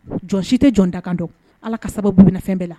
Jɔn si tɛ jɔn dakan dɔn ala ka sababu u bɛna fɛn bɛɛ la